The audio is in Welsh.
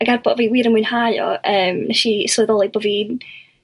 ag er bo' fi wir yn mwynhau o yym 'nes i sylwiddoli bo' fi'n yym